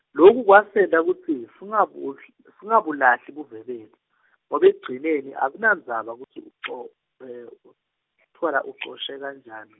loku kwasenta kutsi, singabu- singabulahli buve bet- , ngobe ekugcineni akunandzaba kutsi uco , twa la ucoshe kanjani.